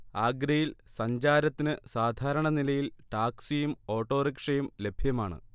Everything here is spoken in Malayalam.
ആഗ്രയിൽ സഞ്ചാരത്തിന് സാധാരണ നിലയിൽ ടാക്സിയും ഓട്ടോറിക്ഷയും ലഭ്യമാണ്